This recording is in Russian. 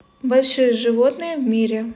большие животные в мире